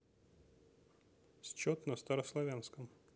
счет на старославянском